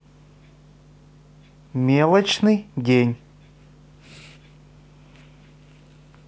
мелочный день